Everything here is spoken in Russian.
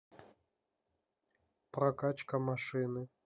прокачка машины